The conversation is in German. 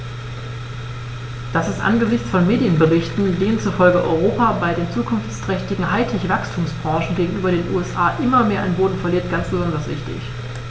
Das ist angesichts von Medienberichten, denen zufolge Europa bei den zukunftsträchtigen High-Tech-Wachstumsbranchen gegenüber den USA immer mehr an Boden verliert, ganz besonders wichtig.